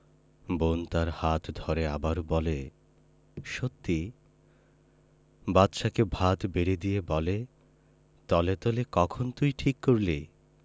বোন তার হাত ধরে আবার বলে সত্যি বাদশাকে ভাত বেড়ে দিয়ে বলে তলে তলে কখন তুই ঠিক করলি